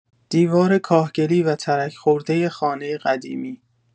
دیوار کاهگلی و ترک‌خورده خانه قدیمی